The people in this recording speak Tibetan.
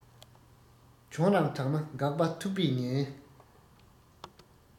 གྱོང རང དྲགས ན འགག པ ཐུག པའི ཉེན